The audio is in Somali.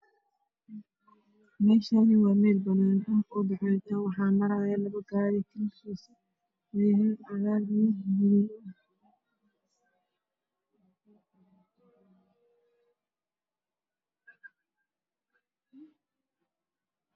meeshaan waa meel banaan ah oo bacaad ah waxaa maraayo labo gaari kalarkiisu uu yahay cagaar iyo madow.